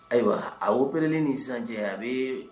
Ayiwa a o bɛnen nin sisan tiɲɛ ye a bɛ